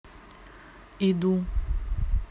иду